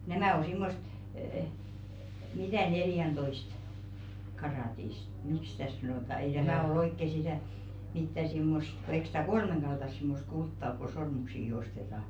nämä on semmoista - mitä neljäntoista karaattista miksi sitä sanotaan ei tämä ole oikein sitä mitä semmoista kun eikö sitä kolmenkaltaista semmoista kultaa ole kun sormuksiakin ostetaan